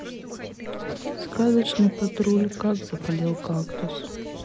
сказочный патруль как заболел кактус